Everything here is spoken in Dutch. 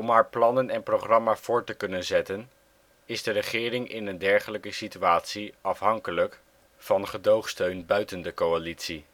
haar plannen en programma voort te kunnen zetten is de regering in een dergelijke situatie afhankelijk van gedoogsteun buiten de coalitie